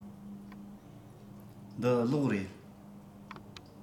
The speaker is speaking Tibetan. འདི གློག རེད